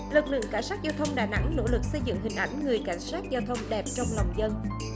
lực lượng cảnh sát giao thông đà nẵng nỗ lực xây dựng hình ảnh người cảnh sát giao thông đẹp trong lòng dân